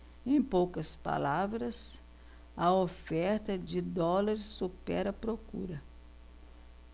em poucas palavras a oferta de dólares supera a procura